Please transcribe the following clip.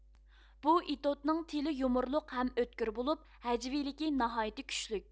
بۇ ئېتوتنىڭ تىلى يۇمۇرلۇق ھەم ئۆتكۈر بولۇپ ھەجۋىيلىكى ناھايىتى كۈچلۈك